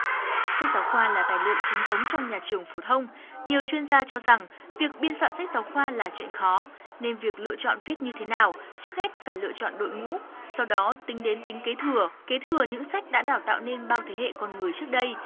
sách giáo khoa là tài liệu chính thống trong nhà trường phổ thông nhiều chuyên gia cho rằng việc biên soạn sách giáo khoa là chuyện khó nên việc lựa chọn viết như thế nào trước hết phải lựa chọn đội ngũ sau đó tính đến tính kế thừa kế thừa những sách đã đào tạo nên bao thế hệ con người trước đây